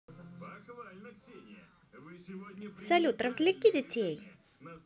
салют развлеки детей